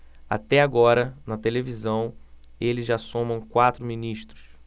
até agora na televisão eles já somam quatro ministros